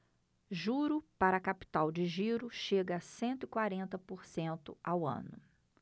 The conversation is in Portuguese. juro para capital de giro chega a cento e quarenta por cento ao ano